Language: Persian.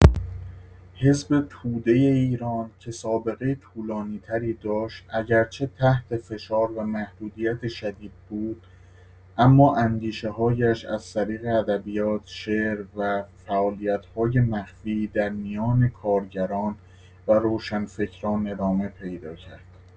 حزب توده ایران که سابقه طولانی‌تری داشت، اگرچه تحت فشار و محدودیت شدید بود، اما اندیشه‌هایش از طریق ادبیات، شعر و فعالیت‌های مخفی در میان کارگران و روشنفکران ادامه پیدا کرد.